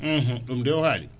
ɗum de o haali